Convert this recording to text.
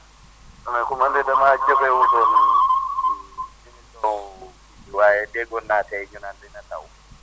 man ne ko man de damaa jëfeewut woon waaye déggoon naa tey ñu naan dina taw